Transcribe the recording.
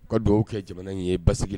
Ka dugawu kɛ jamana in ye ba